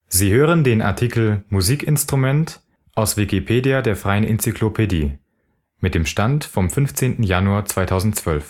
Sie hören den Artikel Musikinstrument, aus Wikipedia, der freien Enzyklopädie. Mit dem Stand vom Der